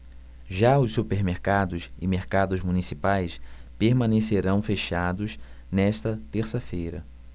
já os supermercados e mercados municipais permanecerão fechados nesta terça-feira